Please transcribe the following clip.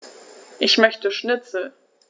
Ich möchte Schnitzel.